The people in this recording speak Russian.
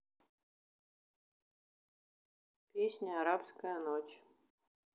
песня арабская ночь